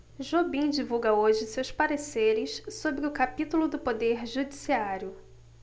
jobim divulga hoje seus pareceres sobre o capítulo do poder judiciário